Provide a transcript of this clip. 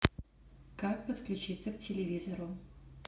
как подключиться к телевизору